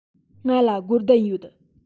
ང ལ སྒོར བདུན ཡོད